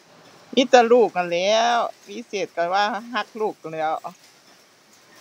มีแต่ลูกนั้นแหล้ว พิเศษก็ว่าก็ลูกแหล้ว